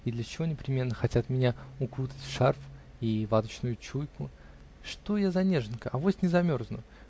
и для чего непременно хотят меня укутать в шарф и ваточную чуйку? "Что я за неженка? авось не замерзну.